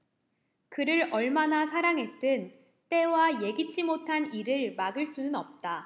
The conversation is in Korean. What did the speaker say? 그를 얼마나 사랑했든 때와 예기치 못한 일을 막을 수는 없다